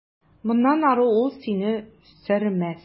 Моннан ары ул сине сөрмәс.